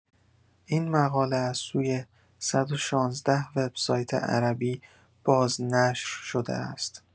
این مقاله از سوی ۱۱۶ وبسایت عربی بازنشر شده است.